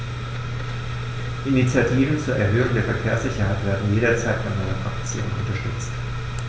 Initiativen zur Erhöhung der Verkehrssicherheit werden jederzeit von meiner Fraktion unterstützt.